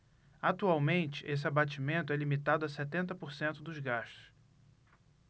atualmente esse abatimento é limitado a setenta por cento dos gastos